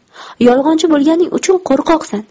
yolg'onchi bo'lganing uchun qo'rqoqsan